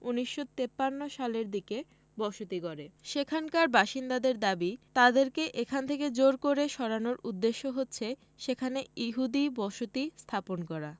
১৯৫৩ সালের দিকে বসতি গড়ে সেখানকার বাসিন্দাদের দাবি তাদেরকে এখান থেকে জোর করে সরানোর উদ্দেশ্য হচ্ছে সেখানে ইহুদি বসতি স্থাপন করা